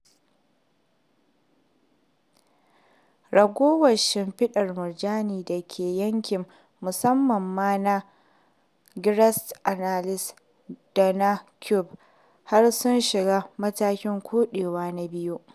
Ragowar shimfiɗar murjanin da ke yankin, musamman ma na Greater Antilles da na cuba, har sun shiga matakin koɗewa na biyu.